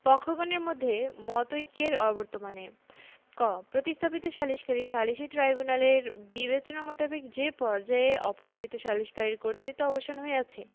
পক্ষগণের মধ্যে মতৈক্যের অবর্তমানে ক প্রতিস্থাপিত সালিসকারী সালিসী ট্রাইব্যুনালের বিচেনা মোতাবেক যে পর্যায়ে অপসারিত সালিসকারীর কর্তৃক্ব অবসান হইয়াছে